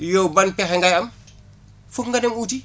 yow ban pexe ngay am foog nga dem uti